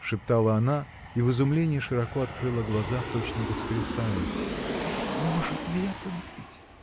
— шептала она и в изумлении широко открыла глаза, точно воскресая, — может ли это быть?